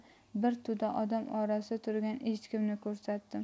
bir to'da odam orasida turgan echkimni ko'rsatdim